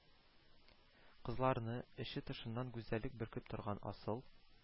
Кызларны, эче-тышыннан гүзәллек бөркеп торган асыл